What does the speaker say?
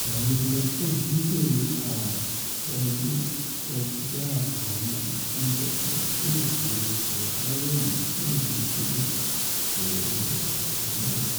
Ààrẹ̵ Donald Trump ńbẹ̀rẹ̀ àkọlùkọgbà àwọn ìpéjọpọ̀ fún ìpolongo kan lálẹ́ òní ní ilù Wheeling, Ìwọ̀-oòrùn Virginia.